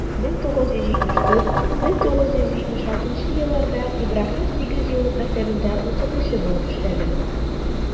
1974 - 1976 елларда ибраһим сигезьеллык мәктәбендә укытучы булып эшләдем.